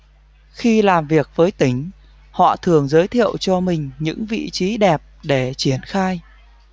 khi làm việc với tỉnh họ thường giới thiệu cho mình những vị trí đẹp để triển khai